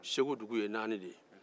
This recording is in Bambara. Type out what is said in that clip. segu dugu ye naani de ye